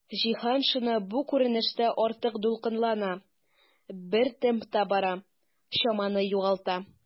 Җиһаншина бу күренештә артык дулкынлана, бер темпта бара, чаманы югалта.